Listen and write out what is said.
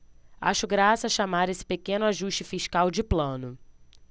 acho graça chamar esse pequeno ajuste fiscal de plano